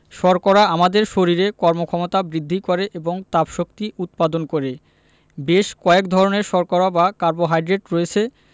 শর্করা আমাদের শরীরে কর্মক্ষমতা বৃদ্ধি করে এবং তাপশক্তি উৎপাদন করে বেশ কয়েক ধরনের শর্করা বা কার্বোহাইড্রেট রয়েছে